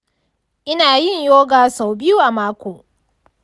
ina yin yoga sau biyu a mako.